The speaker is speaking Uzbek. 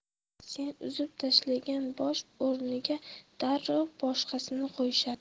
sen uzib tashlagan bosh o'rniga darrov boshqasini qo'yishadi